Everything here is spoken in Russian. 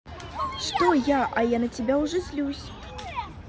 что я а я на тебя уже злюсь